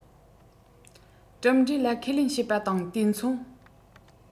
གྲུབ འབྲས ལ ཁས ལེན བྱེད པ དང དུས མཚུངས